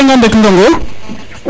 a fiya ngan rek Ngongo